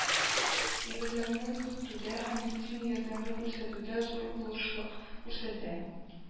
Әйберләрен кертүдә һәм медицина ярдәме күрсәтүдә зур булышлык күрсәтә